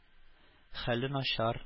Хәле начар